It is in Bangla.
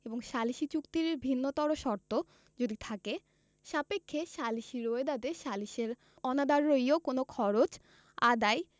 এবং সালিসী চুক্তির ভিন্নতর শর্ত যদি থাকে সাপেক্ষে সালিসী রোয়েদাদে সালিসের অনাদারয়ী কোন খরচ আদায়